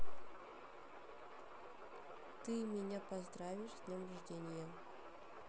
ты меня поздравишь с днем рождения